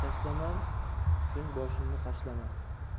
tashlama so'ng boshingni qashlama